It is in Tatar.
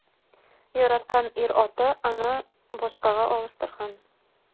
Яраткан ир-аты аны башкага алыштырган.